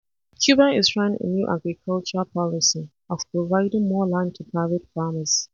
Cuba is trying a new agriculture policy of providing more land to private farmers.